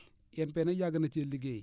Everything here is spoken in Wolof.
INP nag yàgg na cee liggéey